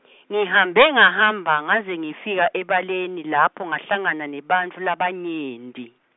ngihambe ngahamba, ngaze ngefika ebaleni, lapho ngahlangana nebantfu labanyenti.